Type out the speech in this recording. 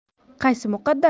qaysi muqaddam